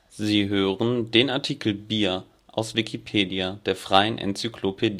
Sie hören den Artikel Bier, aus Wikipedia, der freien Enzyklopädie